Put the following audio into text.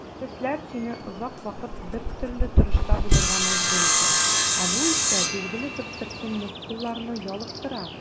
Дәресләр сине озак вакыт бертөрле торышта булырга мәҗбүр итә, ә бу исә билгеле бер төркем мускулларны ялыктыра.